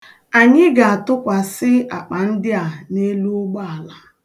Anyị ga-atụkwasị akpa ndị a n'elu ụgbọala.